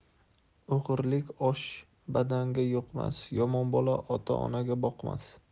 o'g'irlik osh badanga yuqmas yomon bola ota onaga boqmas